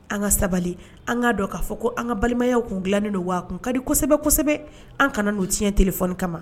An ka sabali an k'a dɔn k'a fɔ ko an ka balimaya kun dilannen don waa kun kadi kosɛbɛ kosɛbɛ an kana'o tiɲɛɲɛn t f kama